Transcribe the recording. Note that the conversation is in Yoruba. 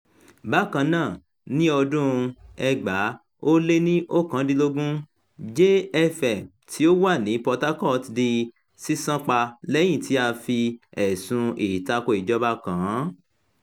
Bákan náà ní ọdún- 2019, Jay FM tíó wà ní Port Harcourt di ṣíṣánpa lẹ́yìn tí a fi ẹ̀sùn ìtako ìjọba kàn án.